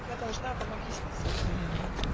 Я должна Вам объясниться откровенно.